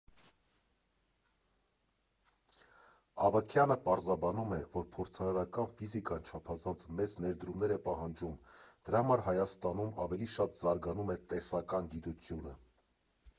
Ավագյանը պարզաբանում է, որ փորձարարական ֆիզիկան չափազանց մեծ ներդրումներ է պահանջում, դրա համար Հայաստանում ավելի շատ զարգանում է տեսական գիտությունը։